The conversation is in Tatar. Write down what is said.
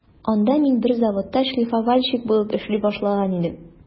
Анда мин бер заводта шлифовальщик булып эшли башлаган идем.